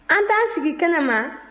an tɛ an sigi kɛnɛ ma